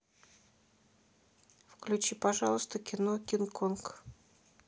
включи пожалуйста кино кинг конг